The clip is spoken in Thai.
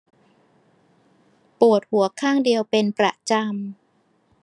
ปวดหัวข้างเดียวเป็นประจำ